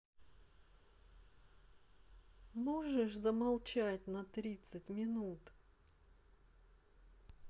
можешь замолчать на тридцать минут